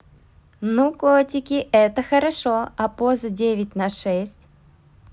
ну котики это хорошо а поза девять на шесть